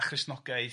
a Christnogaeth